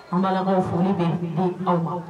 N balakaw foli bɛ aw